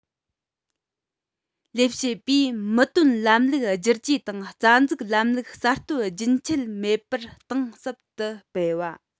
ལས བྱེད པའི མི དོན ལམ ལུགས བསྒྱུར བཅོས དང རྩ འཛུགས ལམ ལུགས གསར གཏོད རྒྱུན ཆད མེད པར གཏིང ཟབ ཏུ སྤེལ བ